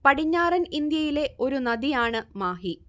പടിഞ്ഞാറൻ ഇന്ത്യയിലെ ഒരു നദിയാണ് മാഹി